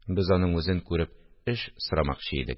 Без аның үзен күреп, эш сорамакчы идек